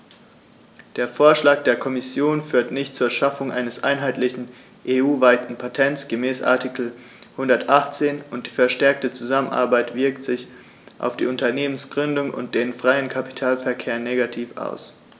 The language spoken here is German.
Der Vorschlag der Kommission führt nicht zur Schaffung eines einheitlichen, EU-weiten Patents gemäß Artikel 118, und die verstärkte Zusammenarbeit wirkt sich auf die Unternehmensgründung und den freien Kapitalverkehr negativ aus.